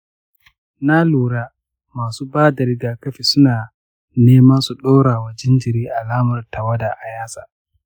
na lura masu ba da rigakafi suna neman su ɗora wa jariri alamar tawada a yatsa.